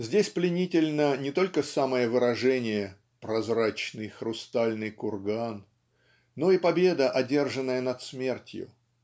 Здесь пленительно не только самое выражение "прозрачный хрустальный курган" но и победа одержанная над смертью.